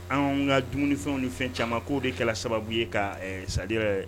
Anw ka dumunifɛnw ni fɛn caman ko de kɛra sababu ye ka sadi ye